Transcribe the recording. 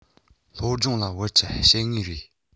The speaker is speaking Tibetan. སློབ སྦྱོང ལ བར ཆད བྱེད ངེས རེད